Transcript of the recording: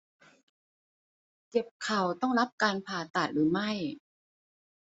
เจ็บเข่าต้องรับการผ่าตัดหรือไม่